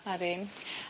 Odin.